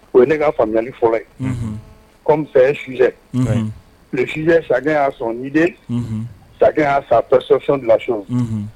O ye ne ka faamuyali fɔlɔ. Unhun! Comme c'est un sujet . Unhun! le. sujet chacun a son idée . Unhun! Chacun a sa perception de la chose . Unhun!